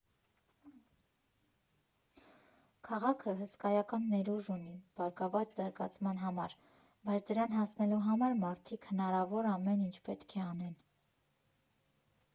Քաղաքը հսկայական ներուժ ունի բարգավաճ զարգացման համար, բայց դրան հասնելու համար մարդիկ հնարավոր ամեն ինչ պետք է անեն»։